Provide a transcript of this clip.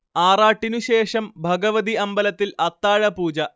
ആറാട്ടിനുശേഷം ഭഗവതി അമ്പലത്തിൽ അത്താഴപൂജ